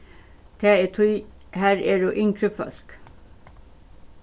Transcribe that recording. tað er tí har eru yngri fólk